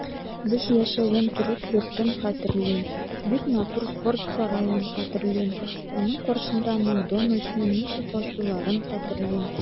Без яшәгән төрек йортын хәтерлим, бик матур спорт сараен хәтерлим, аның каршында "Макдоналдс"ны ничек ачуларын хәтерлим.